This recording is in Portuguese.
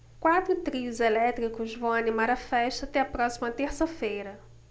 quatro trios elétricos vão animar a festa até a próxima terça-feira